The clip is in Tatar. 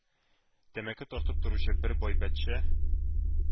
Тәмәке тартып торучы бер байбәтчә